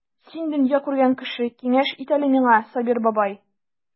Син дөнья күргән кеше, киңәш ит әле миңа, Сабир бабай.